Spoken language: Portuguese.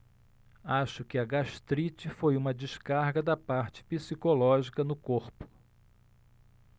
acho que a gastrite foi uma descarga da parte psicológica no corpo